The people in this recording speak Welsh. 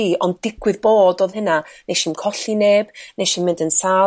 i ond digwydd bod o'dd hynna 'nes i'm colli neb 'nesi'm mynd yn sâl